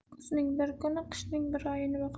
kuzning bir kuni qishning bir oyini boqar